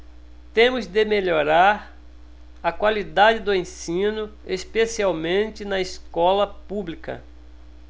temos de melhorar a qualidade do ensino especialmente na escola pública